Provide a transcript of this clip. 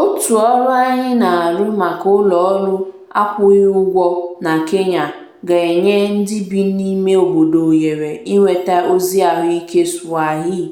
Otu ọrụ anyị na-arụ maka ụlọọrụ akwụghị ụgwọ na Kenya ga-enye ndị bi n'ime obodo ohere inweta ozi ahụike Swahili